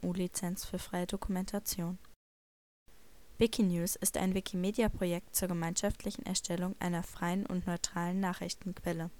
GNU Lizenz für freie Dokumentation. Das Wikinews-Logo Wikinews ist ein Wikimedia-Projekt zur gemeinschaftlichen Erstellung einer freien und neutralen Nachrichtenquelle.